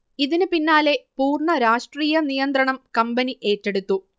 ഇതിന് പിന്നാലെ പൂർണ്ണ രാഷ്ട്രീയ നിയന്ത്രണം കമ്പനി ഏറ്റെടുത്തു